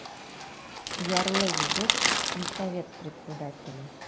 Ярлы егет, сельсовет председателе.